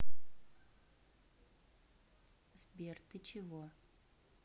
сбер ты чего